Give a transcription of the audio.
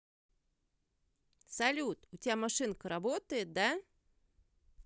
салют у тебя машинка работает да